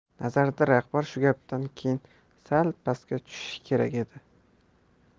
nazarida rahbar shu gapdan keyin sal pastga tushishi kerak edi